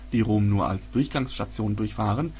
die Rom nur als Durchgangsstation durchfahren